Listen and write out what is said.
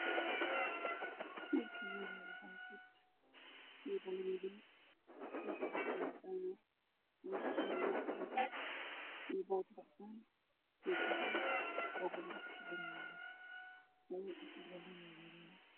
Meeshaan waa meel madoobe waxaa yaalo qof iyo sharoobo sharoobada furkeedu waa caddaan dhalada waa madow